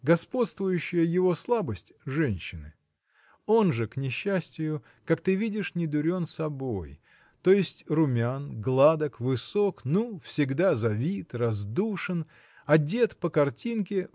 Господствующая его слабость – женщины. Он же к несчастию как ты видишь недурен собой то есть румян гладок высок ну всегда завит раздушен одет по картинке